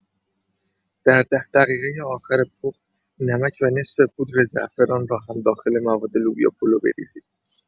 در ۱۰ دقیقه آخر پخت، نمک و نصف پودر زعفران را هم داخل مواد لوبیا پلو بریزید.